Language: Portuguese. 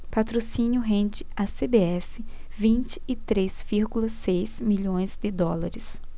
patrocínio rende à cbf vinte e três vírgula seis milhões de dólares